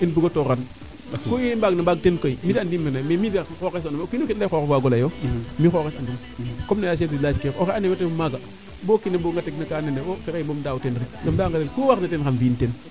in bugo toroxam ku i mbaang na mbaang teen koy mi de andiim wene nda mi xoxes andum o kiino kiin xoxof waago ley mi xoxes andum comme no chef du village oxe ando naye wo tegun maaga wo fexeyi bom daaw teen rek im daawa nga teen ku warna teen xam fi'in teen